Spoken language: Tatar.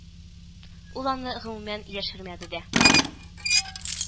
Ул аны, гомумән, яшермәде дә